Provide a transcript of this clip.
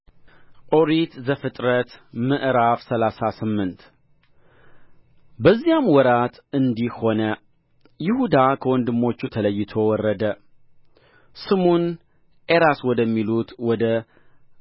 ኦሪት ዘፍጥረት ምዕራፍ ሰላሳ ስምንት በዚያም ወራት እንዲህ ሆነ ይሁዳ ከወንድሞቹ ተለይቶ ወረደ ስሙን ኤራስ ወደሚሉት ወደ